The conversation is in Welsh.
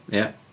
Ia.